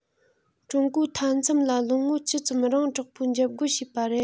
ཀྲུང གོའི མཐའ མཚམས ལ ལོ ངོ བཅུ ཙམ རིང དྲག པོའི འཇབ རྒོལ བྱས པ རེད